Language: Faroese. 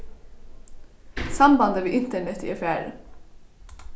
sambandið við internetið er farið